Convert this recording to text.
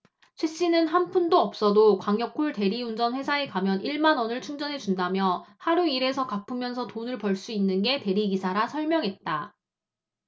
최씨는 한 푼도 없어도 광역콜 대리운전 회사에 가면 일 만원을 충전해준다며 하루 일해서 갚으면서 돈을 벌 수 있는 게 대리기사라 설명했다